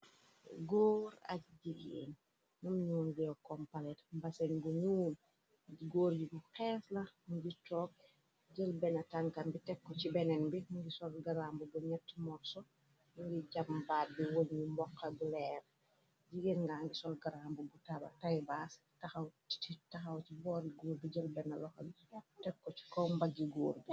Góor ak jigeen num ñu nuaw kompalet mbaseñ gu ñuo i góor yubu xees lax ngi toog jël bena tankam bi tekko ci benen bi ngi solgaramb bu ñett morso ngi jàmbaat bi woñ yu mboxa bu leer jigéen nga ngi solgaramb bu taba taybas xw taxaw ci booli goor bi jël bena loxal tekko ci kombag yi góor bi.